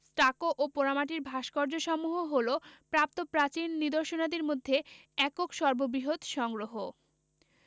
stucco ও পোড়ামাটির ভাস্কর্যসমূহ হলো প্রাপ্ত প্রাচীন নিদর্শনাদির মধ্যে একক সর্ববৃহৎ সংগ্রহ